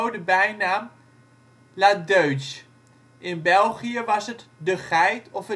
de bijnaam " La Deuche ", in België was het " de Geit " of